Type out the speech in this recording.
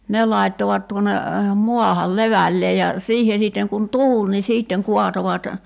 ne laittoivat tuonne maahan levälleen ja siihen sitten kun tuuli niin sitten kaatoivat